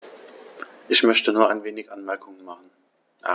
Ich möchte nur wenige Anmerkungen machen.